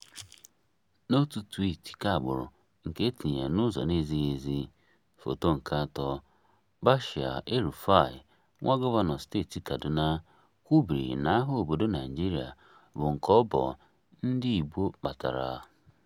N'otu twiiti keagbụrụ nke e tinyere n'ụzọ na-ezighị ezi (Foto nke 3), Bashir El-Rufai, nwa Gọvanọ Steeti Kaduna, kwubiri na agha obodo Naịjirịa bụ nke ọbọ ndị Igbo kpatara.